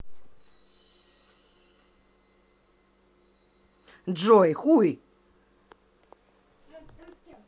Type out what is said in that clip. джой хуй